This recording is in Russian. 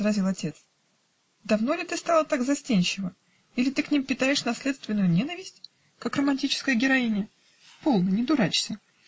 -- возразил отец, -- давно ли ты стала так застенчива, или ты к ним питаешь наследственную ненависть, как романическая героиня? Полно, не дурачься.